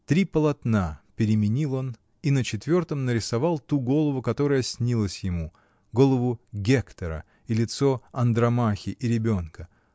Три полотна переменил он и на четвертом нарисовал ту голову, которая снилась ему, голову Гектора и лицо Андромахи и ребенка.